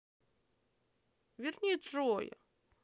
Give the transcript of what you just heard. верни джоя